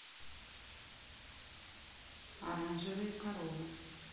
оранжевые коровы